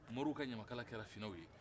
moriw ka ɲamakala kɛra finɛw ye